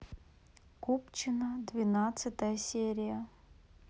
купчино двенадцатая серия